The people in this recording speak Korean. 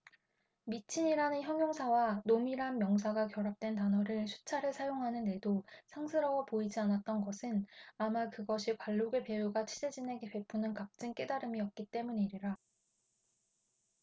미친이라는 형용사와 놈이란 명사가 결합된 단어를 수차례 사용하는데도 상스러워 보이지 않았던 것은 아마 그것이 관록의 배우가 취재진에게 베푸는 값진 깨달음이었기 때문이리라